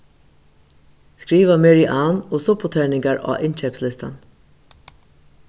skriva merian og supputerningar á innkeypslistan